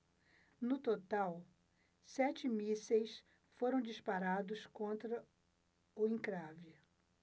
no total sete mísseis foram disparados contra o encrave